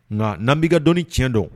Ŋa n'an b'i ka dɔni tiɲɛ dɔn